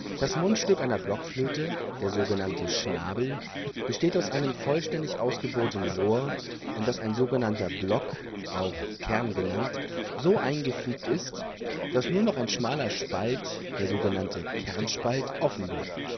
Das Mundstück einer Blockflöte, der sogenannte Schnabel besteht aus einem vollständig ausgebohrtem Rohr, in das ein sogenannter Block (auch Kern genannt) so eingefügt ist, dass nur noch ein schmaler Spalt (sogenannter Kernspalt) offen bleibt